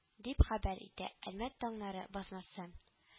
Дип хәбәр итә әлмәт таңнары басмасы